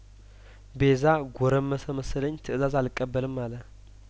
ቤዛ ጐረመሰ መሰለኝ ትእዛዝ አልቀበልም አለ